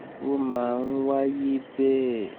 Ó máa ń wáyé bẹ́ẹ̀